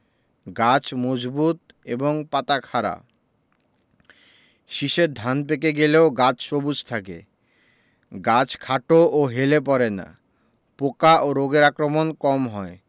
গাছ মজবুত এবং পাতা খাড়া শীষের ধান পেকে গেলেও গাছ সবুজ থাকে গাছ খাটো ও হেলে পড়ে না পোকা ও রোগের আক্রমণ কম হয়